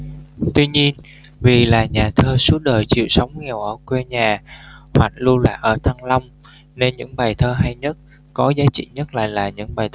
tuy nhiên vì là nhà thơ suốt đời chịu sống nghèo ở quê nhà hoặc lưu lạc ở thăng long nên những bài thơ hay nhất có giá trị nhất lại là những bài